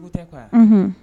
Tɛ